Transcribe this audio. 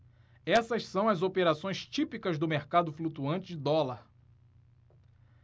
essas são as operações típicas do mercado flutuante de dólar